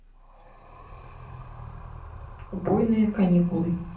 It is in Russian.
убойные каникулы